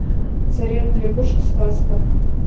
царевна лягушка сказка